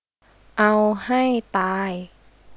เอาให้ตาย